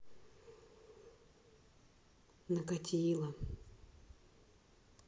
накатило